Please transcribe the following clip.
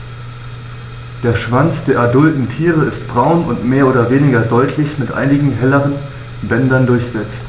Der Schwanz der adulten Tiere ist braun und mehr oder weniger deutlich mit einigen helleren Bändern durchsetzt.